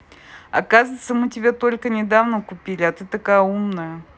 оказывается мы тебя только недавно купили а ты такая умная